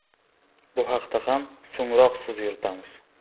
bu haqda ham so'ngroq so'z yuritamiz